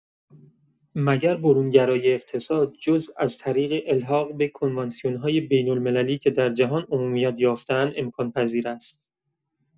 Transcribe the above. مگر برون‌گرایی اقتصاد جز از طریق الحاق به کنوانسیون‌های بین‌المللی که در جهان عمومیت یافته‌اند امکان‌پذیر است؟